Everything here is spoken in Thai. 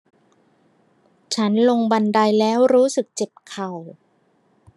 ฉันลงบันไดแล้วรู้สึกเจ็บเข่า